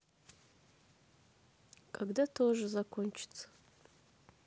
когда тоже закончится